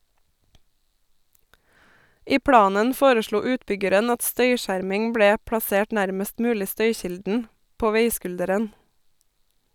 I planen foreslo utbyggeren at støyskjerming ble plassert nærmest mulig støykilden , på veiskulderen.